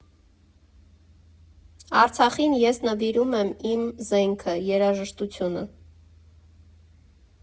Արցախին ես նվիրում եմ իմ զենքը՝ երաժշտությունը։